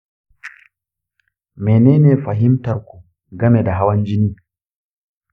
menene fahimtar ku game da hawan jini?